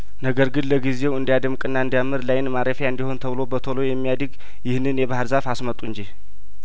ነገር ግን ለጊዜው እንዲያደምቅና እንዲያምር ላይን ማረፊያ እንዲሆን ተብሎ በቶሎ የሚያድግ ይህንን የባህር ዛፍ አስመጡ እንጂ